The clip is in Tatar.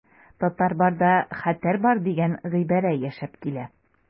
Татар барда хәтәр бар дигән гыйбарә яшәп килә.